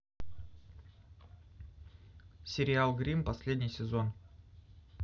сериал гримм последний сезон